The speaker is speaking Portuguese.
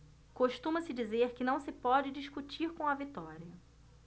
costuma-se dizer que não se pode discutir com a vitória